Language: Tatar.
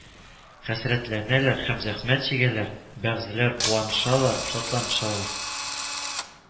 Хәсрәтләнәләр һәм зәхмәт чигәләр; бәгъзеләр куанышалар, шатланышалар